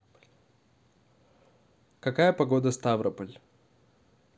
какая погода ставрополь